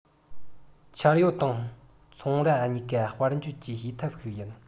འཆར ཡོད དང ཚོང ར གཉིས ཀ དཔལ འབྱོར གྱི བྱེད ཐབས ཤིག ཡིན